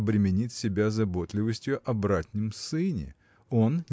обременит себя заботливостию о братнем сыне он